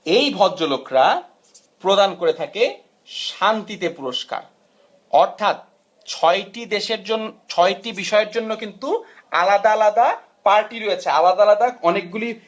এই ভদ্রলোকেরা প্রদান করে থেকে শান্তিতে পুরস্কার অর্থাৎ ছয়টি দেশের জন্য ছয়টি বিষয়ের জন্য কিন্তু আলাদা আলাদা পার্টি রয়েছে আলাদা আলাদা অনেকগুলি